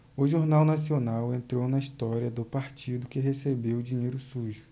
o jornal nacional entrou na história do partido que recebeu dinheiro sujo